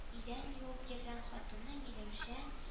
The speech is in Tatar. Идән юып йөргән хатыны миләүшә